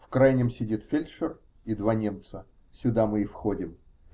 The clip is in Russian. В крайнем сидит фельдшер и два немца -- сюда мы и входим.